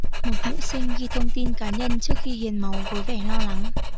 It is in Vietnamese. một nữ sinh ghi thông tin cá nhân trước khi hiến máu với vẻ lo lắng